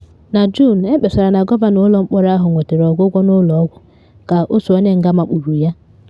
Na Juun ekpesara na gọvanọ ụlọ mkpọrọ ahụ nwetere ọgwụgwọ n’ụlọ ọgwụ ka otu onye nga makpuru ya.